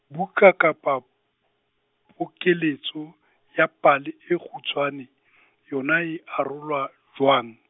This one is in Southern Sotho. buka kapa, pokeletso, ya pale e kgutshwane, yona e arolwa, jwang?